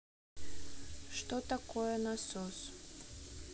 что такое насос